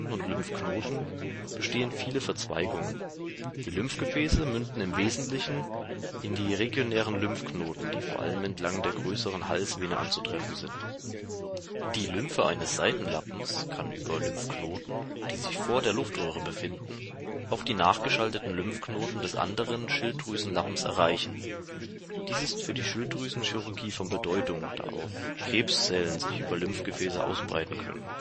und Lymphknoten bestehen viele Verzweigungen. Die Lymphgefäße münden im Wesentlichen in die regionären Lymphknoten, die vor allem entlang der großen Halsvenen anzutreffen sind. Die Lymphe eines Seitenlappens kann über Lymphknoten, die sich vor der Luftröhre befinden, auch die nachgeschalteten Lymphknoten des anderen Schilddrüsenlappens erreichen. Dies ist für die Schilddrüsenchirurgie von Bedeutung, da auch Krebszellen sich über Lymphgefäße ausbreiten können